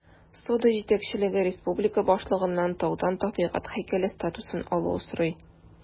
Сода җитәкчелеге республика башлыгыннан таудан табигать һәйкәле статусын алуны сорый.